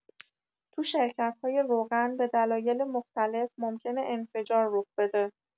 تو شرکت‌های روغن به دلایل مختلف ممکنه انفجار رخ بده.